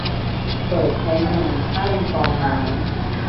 เปิดใช้งานเครื่องกรองน้ำ